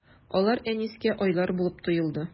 Алар Әнискә айлар булып тоелды.